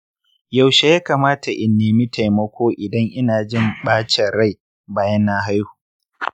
yaushe ya kamata in nemi taimako idan inajin bacin rai bayan na haihu